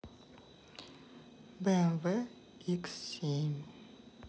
бмв икс семь